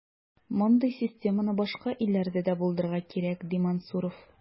Мондый системаны башка илләрдә дә булдырырга кирәк, ди Мансуров.